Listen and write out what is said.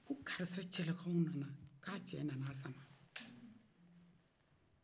ko karisa cɛla kaw nana k'a cɛ nana a sama